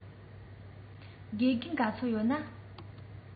དགེ རྒན ག ཚོད ཡོད ན